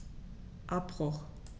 Abbruch.